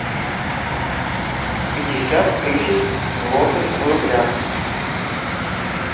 пятьдесят тысяч злотых в рублях